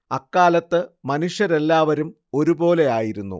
അക്കാലത്ത് മനുഷ്യരെല്ലാവരും ഒരുപോലെയായിരുന്നു